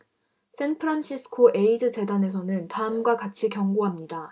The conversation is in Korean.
샌프란시스코 에이즈 재단에서는 다음과 같이 경고합니다